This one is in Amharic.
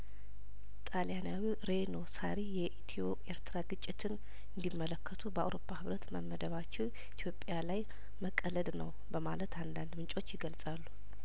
ጣሊያናዊ ሬኖ ሳሪ የኢትዮ ኤርትራ ግጭትን እንዲ መለከቱ በአውሮፓ ህብረት መመደባቸው ኢትዮጵያ ላይ መቀለድ ነው በማለት አንዳንድ ምንጮች ይገልጻሉ